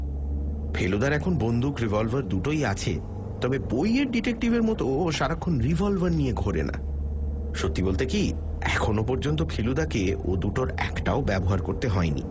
ফেলুদার এখন বন্দুক রিভলবার দুই ই আছে তবে বইয়ের ডিটেকটিভের মতো ও সারাক্ষণ রিভলবার নিয়ে ঘোরে না সত্যি বলতে কী এখন পর্যন্ত ফেলুদাকে ও দুটোর একটাও ব্যবহার করতে হয়নি